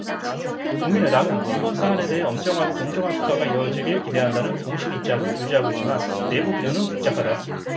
국민의당은 이번 사안에 대해 엄정하고 공정한 수사가 이뤄지길 기대한다는 공식 입장을 유지하고 있지만 내부 기류는 복잡하다